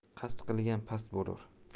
qasd qilgan past bo'lar